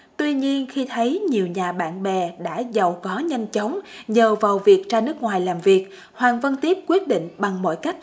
tuy nhiên khi thấy nhiều nhà bạn bè đã giàu có nhanh chóng nhờ vào việc ra nước ngoài làm việc hoàng văn tiếp quyết định bằng mọi cách